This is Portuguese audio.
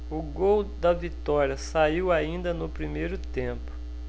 o gol da vitória saiu ainda no primeiro tempo